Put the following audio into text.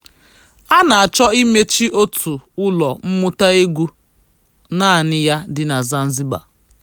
A na-achọ imechi otu ụlọ mmụta egwu naanị ya dị na Zanzibar